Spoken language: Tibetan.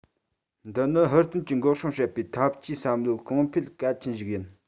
འདི ནི ཧུར བརྩོན གྱིས འགོག སྲུང བྱེད པའི འཐབ ཇུས བསམ བློའི གོང འཕེལ གལ ཆེན ཞིག ཡིན